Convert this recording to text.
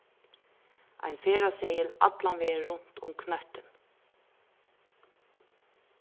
ein ferðaseðil allan vegin runt um knøttin